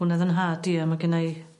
hwna o'dd 'yn nhad i a ma' genna i